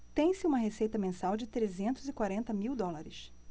tem-se uma receita mensal de trezentos e quarenta mil dólares